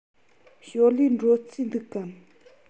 ཞའོ ལིའི འགྲོ རྩིས འདུག གམ